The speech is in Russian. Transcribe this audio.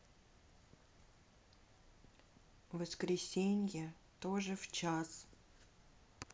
воскресенье тоже в час